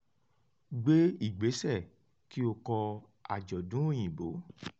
Gbé ìgbésẹ̀ kí o kọ àjọ̀dún Òyìnbó.